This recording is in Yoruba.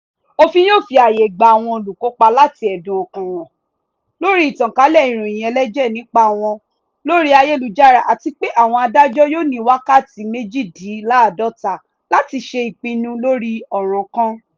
Òfin yóò fi àyè gba àwọn olùkópa láti ẹ̀dùn ọkàn hàn lórí ìtànkálẹ̀ ìròyìn ẹlẹ́jẹ̀ nípa wọn lórí ayélujára àti pé àwọn adájọ́ yóò ní wákàtí 48 láti ṣe ìpinnu lórí ọ̀ràn kan.